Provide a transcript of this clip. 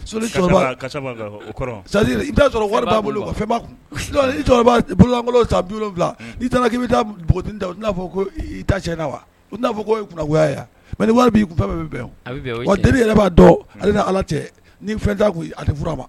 Sɔrɔ wari b' bolo cɛkɔrɔba bololan sai k' bɛ taa taa fɔ ko i ta cɛ na wa'a fɔ ko kunnagoya yan mɛ wari bi fɛn den yɛrɛ b'a dɔn ale ala cɛ ni fɛn ma